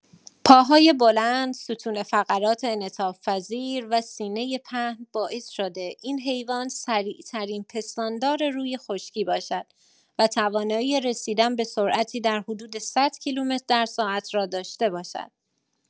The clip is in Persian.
پاهای بلند، ستون فقرات انعطاف‌پذیر و سینه پهن باعث شده این حیوان سریع‌ترین پستاندار روی خشکی باشد و توانایی رسیدن به سرعتی در حدود ۱۰۰ کیلومتر در ساعت را داشته باشد.